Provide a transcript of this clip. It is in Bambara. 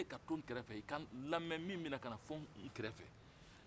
lamɛ min bɛna kana fɔ n kɛrɛ fɛ